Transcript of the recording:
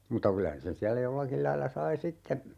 mutta kyllä sen siellä jollakin lailla sai sitten